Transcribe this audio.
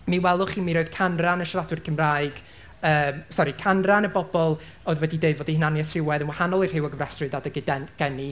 Mi welwch chi, mi roedd canran y siaradwyr Cymraeg, yym sori, canran y bobl oedd wedi deud fod eu hunaniaeth rhywedd yn wahanol i'r rhyw a gyfrestrwyd adeg eu gen- geni.